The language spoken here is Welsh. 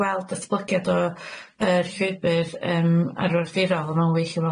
weld datblygiad o yy'r llwybyr yym arforfdirol a ma'n wych